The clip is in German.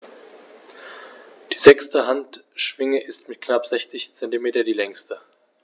Die sechste Handschwinge ist mit knapp 60 cm die längste.